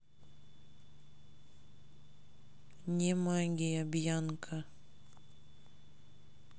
не магия бьянка